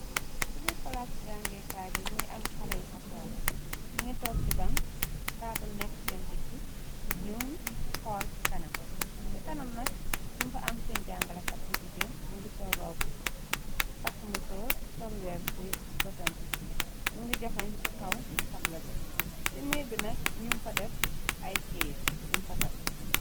Si miir palaasi jangeekaay bi mi ngi am xale yi fa toog, ñi ngi toog ci baŋ, taabul nekk seen diggi, ñuy xool ci kanam, ci kanam nak ñum fa am seen jàngalakat bu jigeen, mingi sol robbu, takk musoor, sol weer ci bëtam, më ngi joxañ ci kaw tabla be, ci miir bi nak, ñuñ fa def ay keyiti yum fa taf.